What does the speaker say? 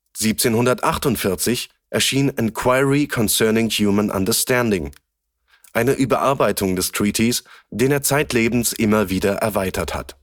1748 erschien Enquiry concerning human understanding, eine Überarbeitung des Treatise, den er zeitlebens immer wieder erweitert hat